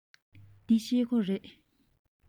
འདི ཤེལ སྒོ རེད